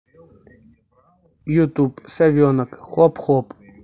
ютуб совенок хоп хоп